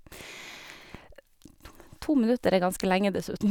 To minutter er ganske lenge, dessuten.